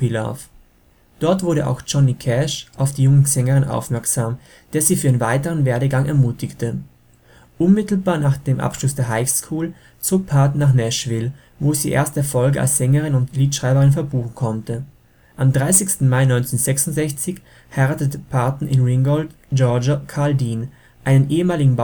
Love ". Dort wurde auch Johnny Cash auf die junge Sängerin aufmerksam, der sie für ihren weiteren Werdegang ermutigte. Unmittelbar nach dem Abschluss der Highschool zog Parton nach Nashville, wo sie erste Erfolge als Sängerin und Liedschreiberin verbuchen konnte. Am 30. Mai 1966 heiratete Parton in Ringgold, Georgia Carl Dean, einen ehemaligen Bauarbeiter